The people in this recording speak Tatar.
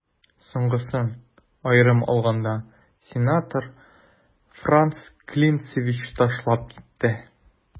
Соңгысын, аерым алганда, сенатор Франц Клинцевич ташлап китте.